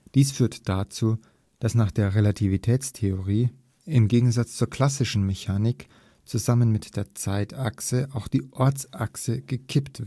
Dies führt dazu, dass nach der Relativitätstheorie (im Gegensatz zur klassischen Mechanik) zusammen mit der Zeitachse auch die Ortsachse gekippt